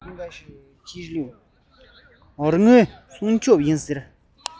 རིག དངོས སྲུང སྐྱོབ ཡིན ཟེར